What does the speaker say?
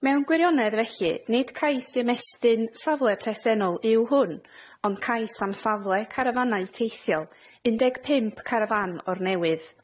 Mewn gwirionedd felly, nid cais i ymestyn safle presennol yw hwn, ond cais am safle carafanau teithiol, un deg pump carafán o'r newydd.